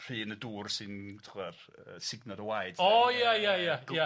pry yn y dŵr sy'n t'wo' yy signo dy waed? O ia ia ia ia.